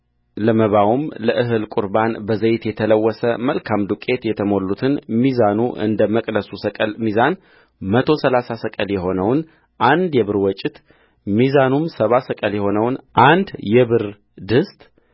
ለመባውም ለእህል ቍርባን በዘይት የተለወሰ መልካም ዱቄት የተሞሉትን ሚዛኑ እንደ መቅደሱ ሰቅል ሚዛን መቶ ሠላሳ ሰቅል የሆነውን አንድ የብር ወጭት ሚዛኑም ሰባ ሰቅል የሆነውን አንድ የብር ድስት